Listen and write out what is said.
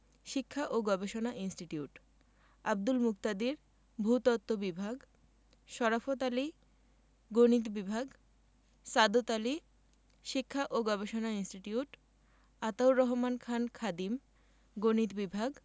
শিক্ষা ও গবেষণা ইনস্টিটিউট আব্দুল মুকতাদির ভূ তত্ত্ব বিভাগ শরাফৎ আলী গণিত বিভাগ সাদত আলী শিক্ষা ও গবেষণা ইনস্টিটিউট আতাউর রহমান খান খাদিম গণিত বিভাগ